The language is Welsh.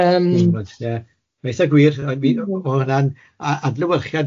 Yym... ma'n eitha gwir a dwi- o'dd hwnna'n a- adlewyrchiad